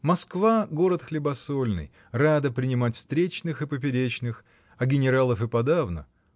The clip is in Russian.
Москва -- город хлебосольный, рада принимать встречных и поперечных, а генералов и подавно